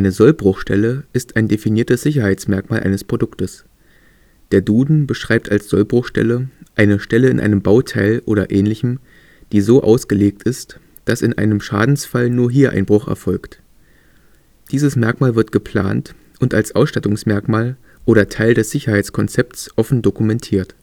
Sollbruchstelle ist ein definiertes Sicherheitsmerkmal eines Produktes. Der Duden beschreibt als Sollbruchstelle eine „ Stelle in einem Bauteil o. Ä., die so ausgelegt ist, dass in einem Schadensfall nur hier ein Bruch erfolgt. “Dieses Merkmal wird geplant und als Ausstattungsmerkmal oder Teil des Sicherheitskonzepts offen dokumentiert